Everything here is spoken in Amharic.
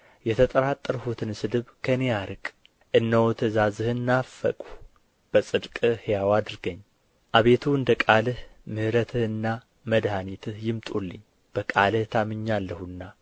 የተጠራጠርሁትን ስድብ ከእኔ አርቅ እነሆ ትእዛዝህን ናፈቅሁ በጽድቅህ ሕያው አድርገኝ አቤቱ እንደ ቃልህ ምሕረትህና መድኃኒትህ ይምጡልኝ በቃልህ ታምኛለሁና